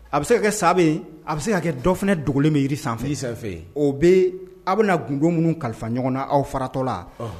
A bɛ se ka kɛ sa bɛ yen, a bɛ se ka kɛ dɔ fana dogolen bɛ jiri sanfɛ o bɛ a' bɛna gindo minnu kalifa ɲɔgɔn na aw faratɔla